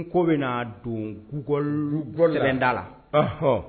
N ko bɛna na donugbɔ da la